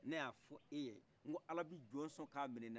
ne y' a fɔ eye k' ala bi jɔn sɔn ka min' ila